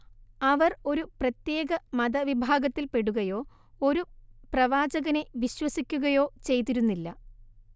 അവർ ഒരു പ്രത്യേക മതവിഭാഗത്തിൽപ്പെടുകയോ ഒരു പ്രവാചകനെ വിശ്വസിക്കുകയോ ചെയ്തിരുന്നില്ല